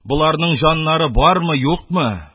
Боларның җаннары бармы, юкмы?